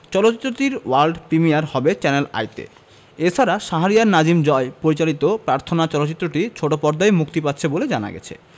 চলচ্চিত্রটির world premiere হবে channel আইতে এ ছাড়া শাহরিয়ার নাজিম জয় পরিচালিত প্রার্থনা চলচ্চিত্রটি ছোট পর্দায় মুক্তি পাচ্ছে বলে জানা গেছে